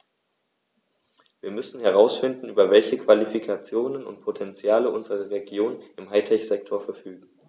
Wir müssen herausfinden, über welche Qualifikationen und Potentiale unsere Regionen im High-Tech-Sektor verfügen.